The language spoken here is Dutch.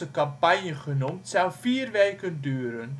campagne genoemd, zou vier weken duren